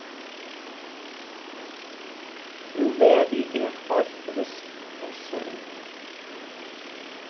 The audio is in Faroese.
nú verði eg heilt vist ov sein